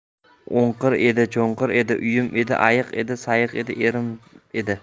o'nqir edi cho'nqir edi uyim edi ayiq edi sayiq edi erim edi